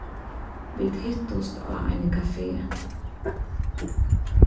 vit hittust á eini kafe